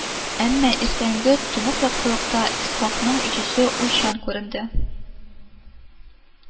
Әмма иртәнге тонык яктылыкта Исхакның йөзе уйчан күренде